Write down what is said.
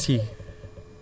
waaw